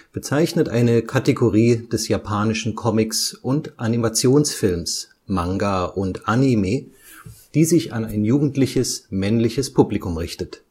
bezeichnet eine Kategorie des japanischen Comics und Animationsfilms, Manga und Anime, die sich an ein jugendliches männliches Publikum richtet